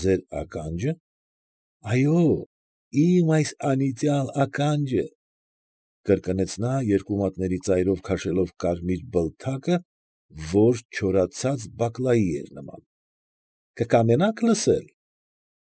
Ձեր ակա՞նջը։ ֊ Այո՛, իմ այս անիծյալ ականջը,֊ կրկնեց նա երկու մատների ծայրով քաշելով կարմիր բլթակը, որ չորացած բակլայի էր նման,֊ կկամենա՞ք լսել։